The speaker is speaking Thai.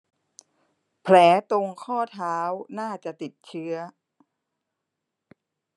แผลตรงข้อเท้าน่าจะติดเชื้อ